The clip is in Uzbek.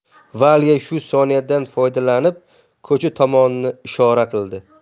valya shu soniyadan foydalanib ko'cha tomonni ishora qildi